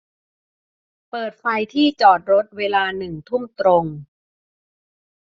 เปิดไฟที่จอดรถเวลาหนึ่งทุ่มตรง